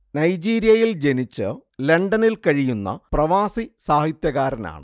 നൈജീരിയയിൽ ജനിച്ച് ലണ്ടനിൽ കഴിയുന്ന പ്രവാസി സാഹിത്യകാരനാണ്